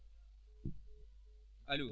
alo